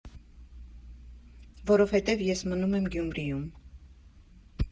Որովհետև ես մնում եմ Գյումրիում։